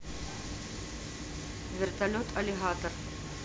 вертолет аллигатор